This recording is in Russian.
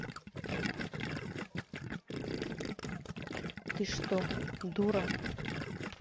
ты что дура